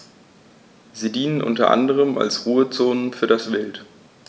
Sie dienen unter anderem als Ruhezonen für das Wild.